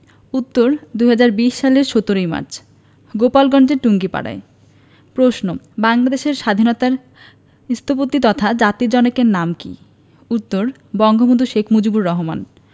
উত্তর ২০২০ সালের ১৭ মার্চ গোপালগঞ্জের টুঙ্গিপাড়ায় প্রশ্ন বাংলাদেশের স্বাধীনতার স্থপতি তথা জাতির জনকের নাম কী উত্তর বঙ্গবন্ধু শেখ মুজিবুর রহমান